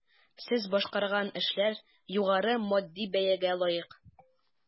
Сез башкарган эшләр югары матди бәягә лаек.